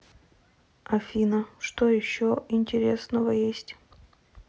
афина что еще интересного есть